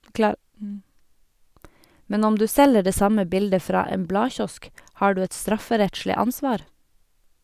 Men om du selger det samme bildet fra en bladkiosk, har du et strafferettslig ansvar?